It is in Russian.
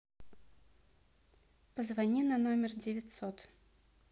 позвони на номер девятьсот